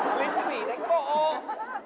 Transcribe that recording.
lính thủy đánh bộ